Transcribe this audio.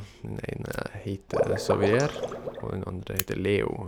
Den ene heter Xavier og den andre heter Leo.